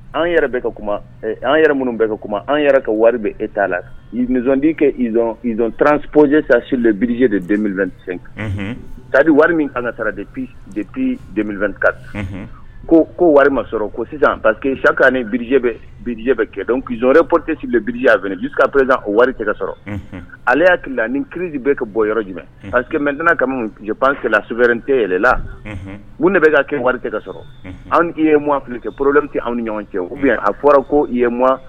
An minnu kuma an yɛrɛ ka wari bɛ e' laranpjɛ sasi biz de2sen tabi wari min an ka taara dep2ta ko ko wari ma sɔrɔ ko sisan pa que saka ni bizjɛ bɛ bijɛ bɛ kɛ dɔn kiz porotesile biriya fɛ biskapered o wari tɛgɛ sɔrɔ ale y'a hakili la ni kiiridi bɛ ka bɔ yɔrɔ jumɛn pa quet ka pan kɛlɛla srente yɛlɛla u ne bɛ ka kɛ wari tɛgɛ ka sɔrɔ anw i ye mo fili kɛ poro tɛ anw ni ɲɔgɔn cɛ a fɔra ko i yema